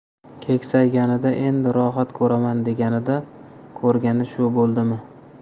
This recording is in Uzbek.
keksayganida endi rohat ko'raman deganida ko'rgani shu bo'ldimi